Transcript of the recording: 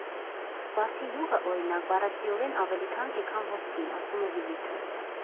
«Վարդի յուղը, օրինակ, բառացիորեն ավելի թանկ է, քան ոսկին, ֊ ասում է Լիլիթը։